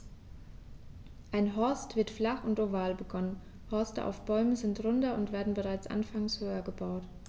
Ein Horst wird flach und oval begonnen, Horste auf Bäumen sind runder und werden bereits anfangs höher gebaut.